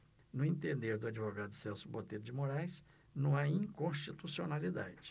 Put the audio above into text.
no entender do advogado celso botelho de moraes não há inconstitucionalidade